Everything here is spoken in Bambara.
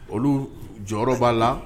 Olu jɔyɔrɔ ba la